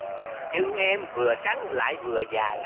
chân em vừa trắng lại vừa dài